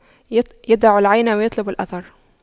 يدع العين ويطلب الأثر